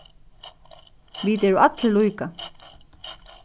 vit er allir líka